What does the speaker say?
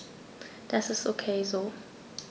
Das ist ok so.